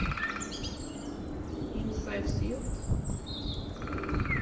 Իմ սև սիրտ…